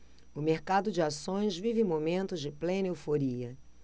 o mercado de ações vive momentos de plena euforia